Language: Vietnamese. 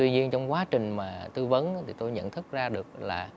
tuy nhiên trong quá trình mà tư vấn tôi nhận thức ra được là